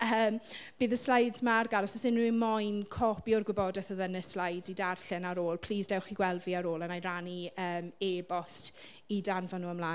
Yym bydd y slides 'ma ar gael. Os oes unrhyw un moyn copi o'r gwybodaeth oedd yn y slides i darllen ar ôl plîs dewch i gweld fi ar ôl a wna i rannu yym e-bost i danfon nhw ymlaen.